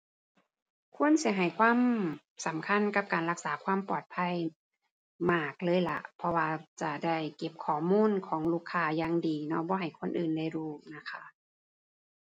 ควรสิให้ความสำคัญกับการรักษาความปลอดภัยมากเลยล่ะ เพราะว่าจะได้เก็บข้อมูลของลูกค้าอย่างดีเนาะ บ่ให้คนอื่นได้รู้นะคะ